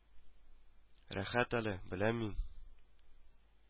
Рәхәт әле, беләм мин